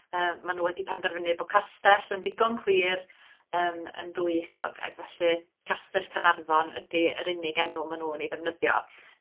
yy ma' nw wedi penderfynu bo' castell yn ddigon clir yym yn dwyieithog, ac felly Castell Carnarfon ydi yr unig enw ma' nw yn ei ddefnyddio